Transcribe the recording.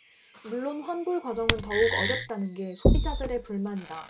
물론 환불과정은 더욱 어렵다는 게 소비자들의 불만이다